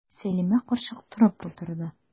Сәлимә карчык торып утырды.